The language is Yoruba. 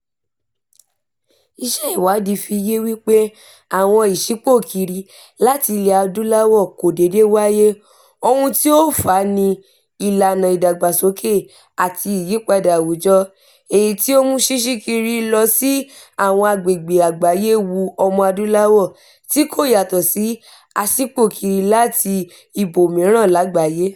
Iṣẹ́ ìwádìí fi yé wípé àwọn ìṣípòkiri láti Ilẹ̀-adúláwọ̀ kò déédéé wáyé, ohun tí ó fà á ni "ìlànà ìdàgbàsókè àti ìyípadà àwùjọ" èyí tí ó ń mú ṣíṣíkiri lọ sí àwọn agbègbè àgbáyé wu Ọmọ-adúláwọ̀ — tí kò yàtọ̀ sí aṣípòkiri láti ibòmìíràn lágbàáyé.